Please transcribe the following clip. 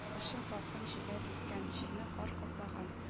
Кышын салкын җилләр искән, җирне кар каплаган